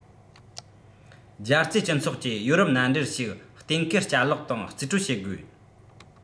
རྒྱལ སྤྱིའི སྤྱི ཚོགས ཀྱིས ཡོ རོབ མནའ འབྲེལ ཞིག གཏན འཁེལ བསྐྱར ལོག དང རྩིས སྤྲོད བྱེད དགོས